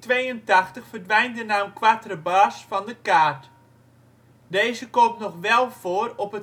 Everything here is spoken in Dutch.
1982 verdwijnt de naam ' Quatre Bras ' van de kaart: Deze komt nog wel voor op